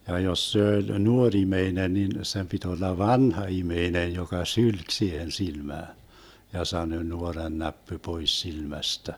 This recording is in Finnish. ja jos se oli nuori ihminen niin sen piti olla vanha ihminen joka sylki siihen silmään ja sanoi nuorannäppy pois silmästä